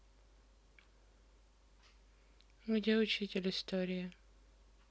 где учитель истории